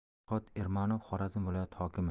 farxod ermanov xorazm viloyati hokimi